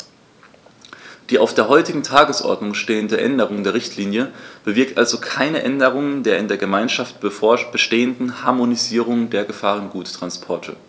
Die auf der heutigen Tagesordnung stehende Änderung der Richtlinie bewirkt also keine Änderung der in der Gemeinschaft bestehenden Harmonisierung der Gefahrguttransporte.